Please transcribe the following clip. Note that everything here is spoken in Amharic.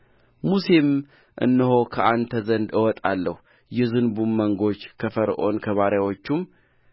ሙሴም እነሆ ከአንተ ዘንድ እወጣለሁ የዝንቡም መንጎች ከፈርዖን ከባሪያዎቹም